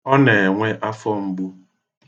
Ọ na-enwe afọ mgbu.